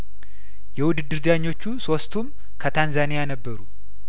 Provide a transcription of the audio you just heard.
የውድድር ዳኞቹ ሶስቱም ከታንዛኒያነበሩ